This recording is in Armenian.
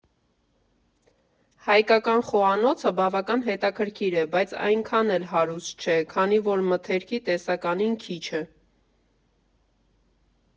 Հայկական խոհանոցը բավական հետաքրքիր է, բայց այնքան էլ հարուստ չէ, քանի որ մթերքի տեսականին քիչ է։